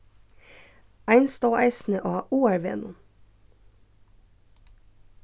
ein stóð eisini á áarvegnum